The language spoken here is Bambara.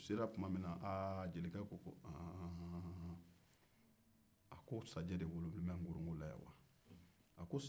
u sera tuma min na jelikɛ ko un sajɛ de wololen bɛ nkorongo la yan